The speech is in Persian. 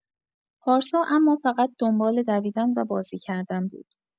پارسا اما فقط دنبال دویدن و بازی‌کردن بود.